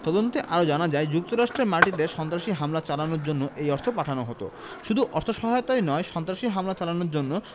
তদন্তে আরও জানা যায় যুক্তরাষ্ট্রের মাটিতে সন্ত্রাসী হামলা চালানোর জন্য এই অর্থ পাঠানো হতো শুধু অর্থসহায়তাই নয় সন্ত্রাসী হামলা চালানোর জন্য